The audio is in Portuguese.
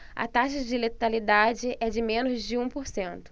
a taxa de letalidade é de menos de um por cento